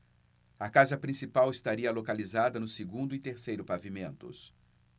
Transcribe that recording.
a casa principal estaria localizada no segundo e terceiro pavimentos